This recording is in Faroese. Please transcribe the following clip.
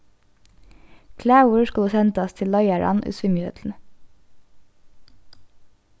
klagur skulu sendast til leiðaran í svimjihøllini